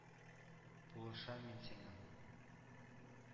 Булышам мин сиңа.